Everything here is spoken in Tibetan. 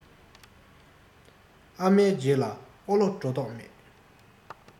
ཨ མའི རྗེས ལ ཨོ ལོ འགྲོ མདོག མེད